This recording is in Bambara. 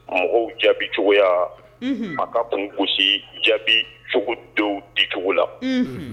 Mɔgɔw jaabicogo a ka kun gosisi jaabi cogo dɔw di cogo la